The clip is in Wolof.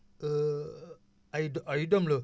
ay do ay doom la